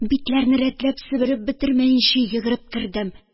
Битләрне рәтләп себереп бетермәенчә йөгереп кердем.